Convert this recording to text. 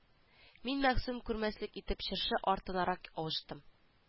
Мин мәгъсүм күрмәслек итеп чыршы артынарак авыштым